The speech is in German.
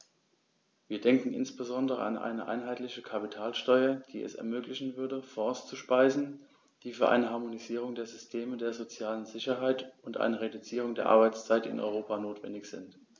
Wir denken insbesondere an eine einheitliche Kapitalsteuer, die es ermöglichen würde, Fonds zu speisen, die für eine Harmonisierung der Systeme der sozialen Sicherheit und eine Reduzierung der Arbeitszeit in Europa notwendig sind.